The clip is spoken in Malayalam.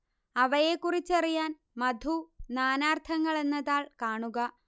അവയെക്കുറിച്ചറിയാൻ മധു നാനാർത്ഥങ്ങൾ എന്ന താൾ കാണുക